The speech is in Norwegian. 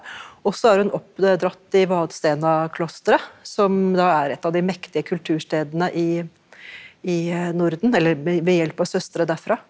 også er hun oppdratt i Vadstena klosteret som da er et av de mektige kulturstedene i i Norden ved hjelp av søstre derfra.